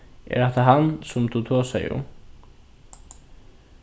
er hatta hann sum tú tosaði um